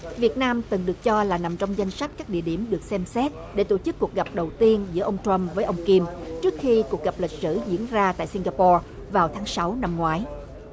việt nam từng được cho là nằm trong danh sách các địa điểm được xem xét để tổ chức cuộc gặp đầu tiên giữa ông trăm với ông kim trước khi cuộc gặp lịch sử diễn ra tại sinh ga po vào tháng sáu năm ngoái